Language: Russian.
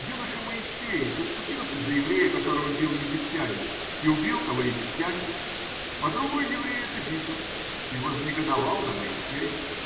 Юноша Моисей заступился за еврея, которого бил египтянин, и убил того египтянина, а другой еврей это видел и вознегодовал на Моисея.